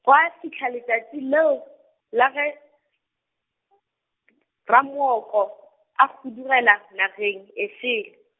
gwa fihla letšatši leo la ge , Ramooko a hudugela nageng e šele.